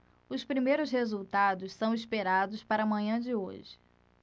os primeiros resultados são esperados para a manhã de hoje